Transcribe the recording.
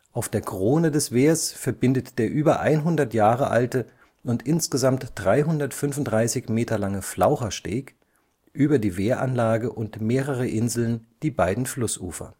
Auf der Krone des Wehrs verbindet der über 100 Jahre alte und insgesamt 335 Meter lange Flauchersteg, über die Wehranlage und mehrere Inseln die beiden Flussufer